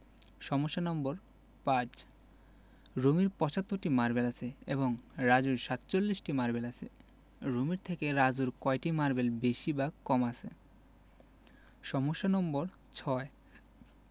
সমস্যা নম্বর৫ রুমির ৭৫টি মারবেল আছে এবং রাজুর ৪৭টি মারবেল আছে রুমির থেকে রাজুর কয়টি মারবেল বেশি বা কম আছে সমস্যা নম্বর ৬